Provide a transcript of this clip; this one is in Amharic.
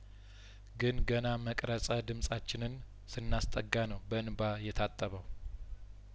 ግን ገና መቅረጸ ድምጻችንን ስናስ ጠጋ ነው በእንባ የታጠበው